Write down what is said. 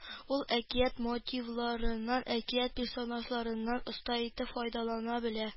Ул әкият мотивларыннан, әкият персонажларыннан оста итеп файдалана белә